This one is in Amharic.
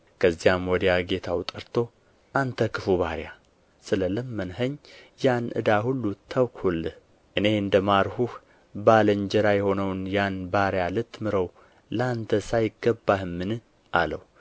ከዚያ ወዲያ ጌታው ጠርቶ አንተ ክፉ ባሪያ ስለ ለመንኸኝ ያን ዕዳ ሁሉ ተውሁልህ እኔ እንደ ማርሁህ ባልንጀራህ የሆነውን ያን ባሪያ ልትምረው ለአንተስ አይገባህምን አለው